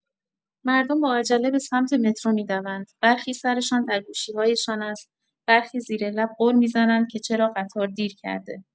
مردم با عجله به سمت مترو می‌دوند؛ برخی سرشان در گوشی‌هایشان است، برخی زیر لب غر می‌زنند که چرا قطار دیر کرده.